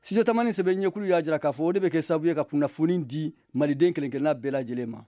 studio tamani sɛbɛnjɛkulu y'a jira k'a fɔ o de bɛ kɛ sababu ye ka kunnafoni di malidenw kelenkelenna bɛɛ lajɛlen ma